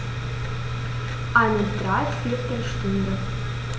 Eine dreiviertel Stunde